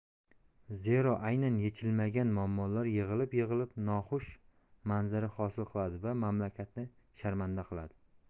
zero aynan yechilmagan muammolar yig'ilib yig'ilib noxush manzara hosil qiladi va mamlakatni sharmanda qiladi